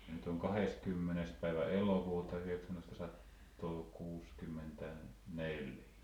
ja nyt on kahdeskymmenes päivä elokuuta yhdeksäntoistasataakuusikymmentäneljä